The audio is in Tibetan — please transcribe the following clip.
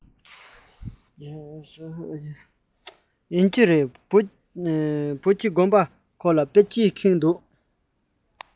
ཡིན གྱི རེད བོད ཀྱི དགོན པ ཁག ལ དཔེ ཆས ཁེངས འདུག ག